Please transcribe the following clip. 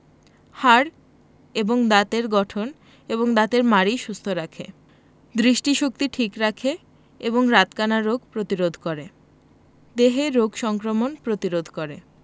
হাড় এবং দাঁতের গঠন এবং দাঁতের মাড়ি সুস্থ রাখে দৃষ্টিশক্তি ঠিক রাখে এবং রাতকানা রোগ প্রতিরোধ করে দেহে রোগ সংক্রমণ প্রতিরোধ করে